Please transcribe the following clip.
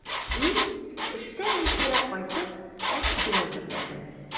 Мин, эштән иртәрәк кайтып, аш-су әзерләдем.